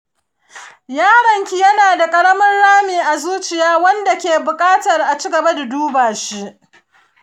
yaronki yana da ƙaramin rami a zuciya wanda ke buƙatar a ci gaba da duba shi.